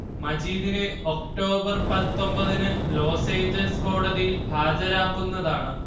മജീദിനെ ഒക്ടോബർ പത്തൊമ്പതിന് Los Angeles കോടതിയിൽ ഹാജരാക്കുന്നതാണ്